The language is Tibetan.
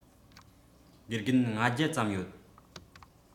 དགེ རྒན ༥༠༠ ཙམ ཡོད